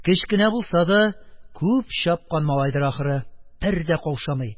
Кечкенә булса да, күп чапкан малайдыр, ахры: бер дә каушамый,